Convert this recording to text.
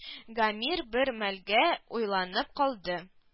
Гамир бер мәлгә уйланып калды